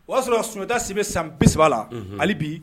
O y'a sɔrɔ sundasi bɛ san bisa la hali bi